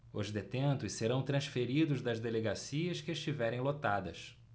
os detentos serão transferidos das delegacias que estiverem lotadas